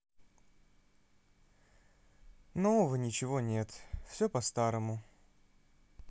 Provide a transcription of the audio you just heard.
нового ничего нет все по старому